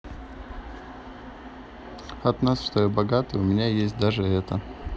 от нас что я богатый у меня есть даже это